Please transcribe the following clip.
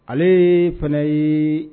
Alee fɛnɛ yee